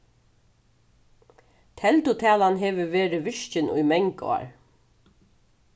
teldutalan hevur verið virkin í mang ár